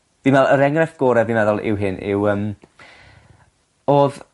Fi'n me'wl yr enghrefft gore fi'n meddwl yw hyn yw yym odd...